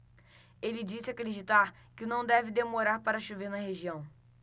ele disse acreditar que não deve demorar para chover na região